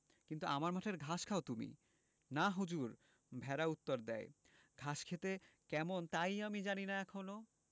কিন্তু আমার মাঠের ঘাস খাও তুমি না হুজুর ভেড়া উত্তর দ্যায় ঘাস খেতে কেমন তাই আমি জানি না এখনো